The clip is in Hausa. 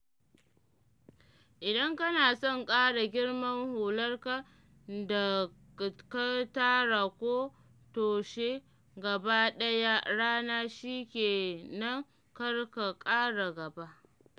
Idan kana son kara girman hularka da ka tara ko toshe gaba ɗaya rana shi ke nan kar ka ƙara gaba.